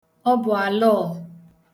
ọbụalọ̄ọ̄